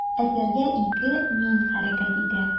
Әсәрдә ике «мин» хәрәкәт итә.